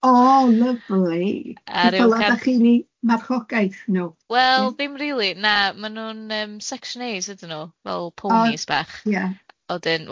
Oh, lyfli. Ceffyla 'da chi'n 'i marchogaeth nw? Wel dim rili, na ma' nw'n, section A's ydyn nw, fel ponis bach.